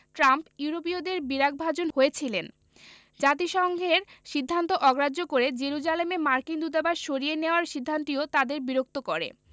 Trump ইউরোপীয়দের বিরাগভাজন হয়েছিলেন জাতিসংঘের সিদ্ধান্ত অগ্রাহ্য করে জেরুজালেমে মার্কিন দূতাবাস সরিয়ে নেওয়ার সিদ্ধান্তটিও তাদের বিরক্ত করে